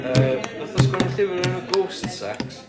yy nath o sgwennu llyfr o'r enw Ghost Sex.